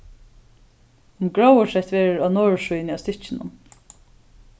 um gróðursett verður á norðursíðuni á stykkinum